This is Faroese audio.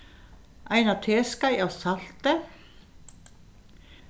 eina teskeið av salti